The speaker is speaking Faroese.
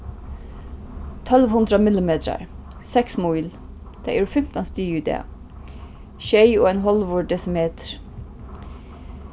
tólv hundrað millimetrar seks míl tað eru fimtan stig í dag sjey og ein hálvur desimetur